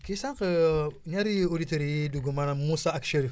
kii sànq ñaari auditeurs yii dugg maanaam Moussa ak Chérif